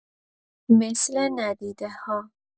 مثل ندیده‌ها